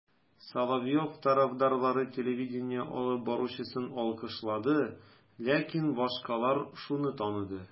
Соловьев тарафдарлары телевидение алып баручысын алкышлады, ләкин башкалар шуны таныды: